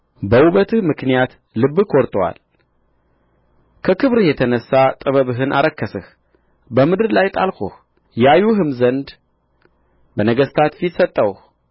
በውበትህ ምክንያት ልብህ ኰርቶአል ከክብርህ የተነሣ ጥበብህን አረከስህ በምድር ላይ ጣልሁህ ያዩህም ዘንድ በነገሥታት ፊት ሰጠሁህ